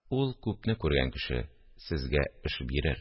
Ул – күпне күргән кеше, сезгә эш бирер